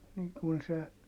niin kuin se